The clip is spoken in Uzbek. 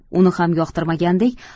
uni ham yoqtirmagandek